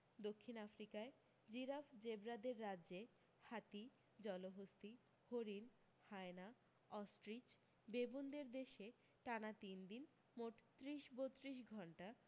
দক্ষিণ আফ্রিকায় জিরাফ জেব্রাদের রাজ্যে হাতি জলহস্তী হরিণ হায়না অসট্রিচ বেবুনদের দেশে টানা তিনদিন মোট ত্রিশ বত্রিশ ঘণ্টা